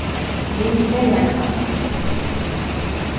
ring neyðarkall